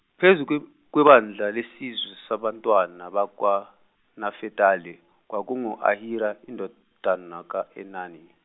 phezu kweb- kwebandla lesizwe sabantwana bakwaNafetali, kwakungu-Ahira indodana ka-Enani.